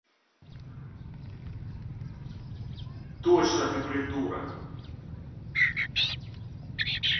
точно ты придурок